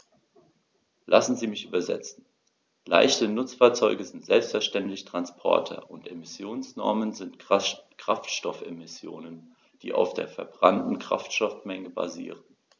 Lassen Sie mich übersetzen: Leichte Nutzfahrzeuge sind selbstverständlich Transporter, und Emissionsnormen sind Kraftstoffemissionen, die auf der verbrannten Kraftstoffmenge basieren.